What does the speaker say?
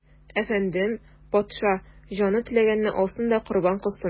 Әфәндем, патша, җаны теләгәнне алсын да корбан кылсын.